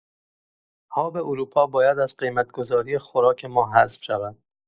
هاب اروپا باید از قیمت‌گذاری خوراک ما حذف شود.